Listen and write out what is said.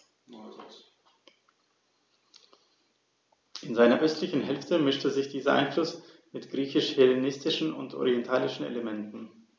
In seiner östlichen Hälfte mischte sich dieser Einfluss mit griechisch-hellenistischen und orientalischen Elementen.